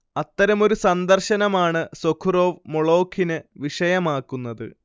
അത്തരമൊരു സന്ദർശനമാണ് സൊഖുറോവ് 'മൊളോഖി'ന് വിഷയമാക്കുന്നത്